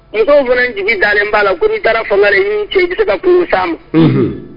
Musow fana jigi dalen b'a la ko n'i taara fanga la i ni cɛ i bɛ se k'a kungo se a man.